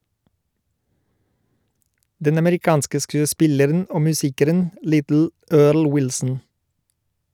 Den amerikanske skuespilleren og musikeren "Little" Earl Wilson.